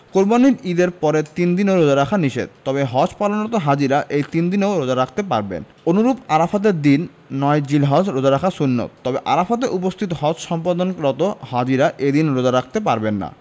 কোরবানির ঈদের পরের তিন দিনও রোজা রাখা নিষেধ তবে হজ পালনরত হাজিরা এই তিন দিনও রোজা রাখতে পারবেন অনুরূপ আরাফাতের দিন ৯ জিলহজ রোজা রাখা সুন্নাত তবে আরাফাতে উপস্থিত হজ সম্পাদনরত হাজিরা এই দিন রোজা রাখতে পারবেন না